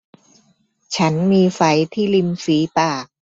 ฉันมีไฝที่ริมฝีปาก